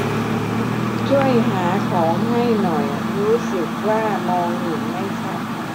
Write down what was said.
ช่วยหาของให้หน่อยรู้สึกว่ามองเห็นไม่ชัด